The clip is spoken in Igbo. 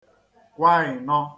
kwàịnọ